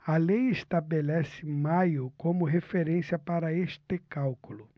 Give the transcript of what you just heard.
a lei estabelece maio como referência para este cálculo